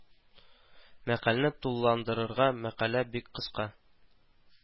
Мәкаләне тулыландырырга мәкалә бик кыска